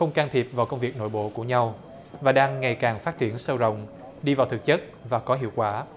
không can thiệp vào công việc nội bộ của nhau và đang ngày càng phát triển sâu rộng đi vào thực chất và có hiệu quả